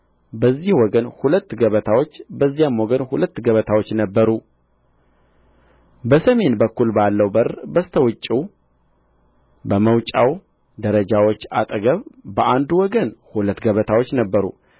በዚህ ወገን ሁለት ገበታዎች በዚያም ወገን ሁለት ገበታዎች ነበሩ በሰሜን በኩል ባለው በር በስተ ውጭው በመወጣጫው ደረጃዎች አጠገብ በአንድ ወገን ሁለት ገበታዎች ነበሩ